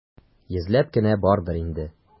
Йөзләп кенә бардыр инде.